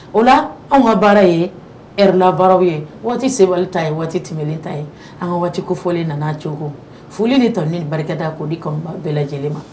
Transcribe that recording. O la anw ka baara ye labaaraww ye waati se ta ye waati tɛmɛnen ta ye an ka waati kofɔlen nana cko foli de tɔ ni barika da ko di bɛɛ lajɛlen ma